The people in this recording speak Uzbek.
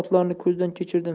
otlarni ko'zdan kechirdim